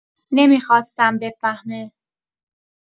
نمی‌خواستم بفهمه